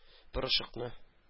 Порошокны